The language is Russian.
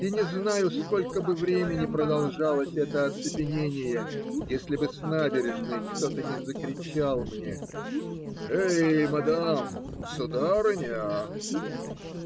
И не знаю, сколько бы времени продолжалось это оцепенение, если бы с набережной кто-то не закричал мне - Эй, мадам! Сударыня!